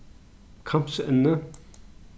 kambsenni